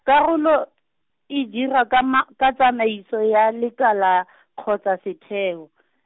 karolo , e dira ka ma-, ka tsamaiso ya lekala , kgotsa setheo .